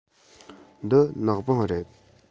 འདི ནག པང རེད